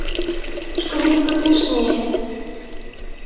что нибудь посмешнее